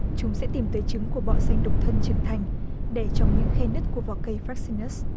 chúng sẽ tìm tới trứng của bọ xanh đục thân trưởng thành đẻ trong những khe nứt của vỏ cây phóc xi nớt